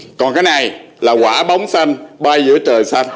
còn cái này là quả bóng xanh bay giữa trời xanh